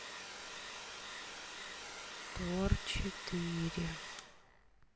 тор четыре